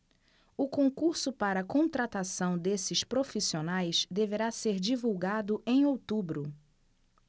o concurso para contratação desses profissionais deverá ser divulgado em outubro